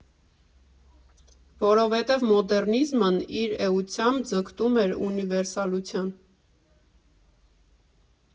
Որովհետև մոդեռնիզմն իր էությամբ ձգտում էր ունիվերսալության։